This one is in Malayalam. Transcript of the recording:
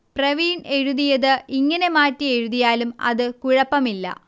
പ്രവീൺ എഴുതിയത് ഇങ്ങനെ മാറ്റി എഴുതിയാലും അത് കുഴപ്പമില്ല